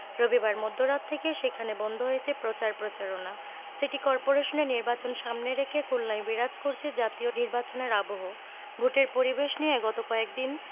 রবিবার মধ্যরাত থেকে সেখানে বন্ধ হয়েছে প্রচার প্রচারণা সিটি করপোরেশন এর নির্বাচন সামনে রেখে খুলনায় বিরাজ করছে জাতীয় নির্বাচনের আবহ ভোটের পরিবেশ নিয়ে গত কয়েক দিন